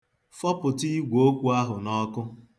Fọpụta igweokwu ahụ n'ọkụ.